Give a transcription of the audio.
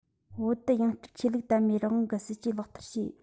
བོད དུ ཡང བསྐྱར ཆོས ལུགས དད མོས རང དབང གི སྲིད ཇུས ལག བསྟར བྱས